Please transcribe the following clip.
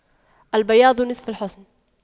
البياض نصف الحسن